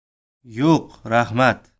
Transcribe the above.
yo'q raxmat